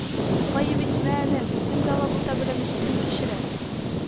Гаеп итмә, энем үзем дә алабута белән көн кичерәм